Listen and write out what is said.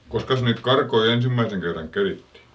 koskas niitä karkkoja ensimmäisen kerran kerittiin